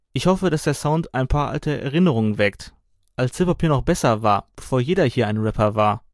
Ich hoffe, dass der Sound ein paar alte Erinnerungen weckt, als Hip-Hop hier noch besser war, bevor jeder hier ein Rapper war